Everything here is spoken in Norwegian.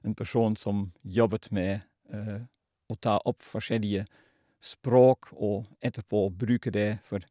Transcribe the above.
En person som jobbet med å ta opp forskjellige språk og etterpå bruke det for